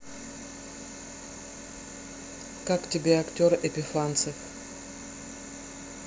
как тебе актер епифанцев